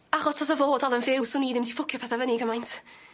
Achos os 'a fo dal yn fyw swn i ddim 'di ffwcio pethe fyny cymaint.